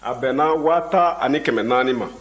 a bɛnna waa tan ani kɛmɛ naani ma